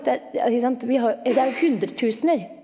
det ja ikke sant vi har det er jo hundretusener.